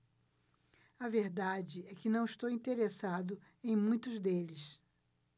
a verdade é que não estou interessado em muitos deles